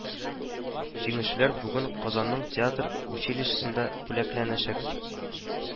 Җиңүчеләр бүген Казанның театр училищесында бүләкләнәчәк